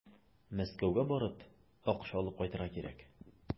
Мәскәүгә барып, акча алып кайтырга кирәк.